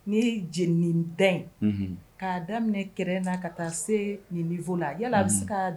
Ni j nin da k' daminɛ kɛ na ka taa se ninmifo la yala bɛ se k'